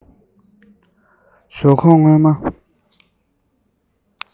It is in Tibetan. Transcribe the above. ཞོག ཁོག བརྔོས མ